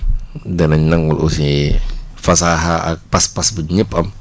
danañ nangu aussi fasaaxaa ak pas-pas bi ñëpp am